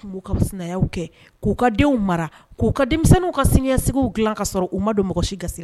Ka kɛ k'u ka denw mara k'u ka denmisɛnninw ka s seguw dilan ka sɔrɔ u ma donmɔgɔ si ka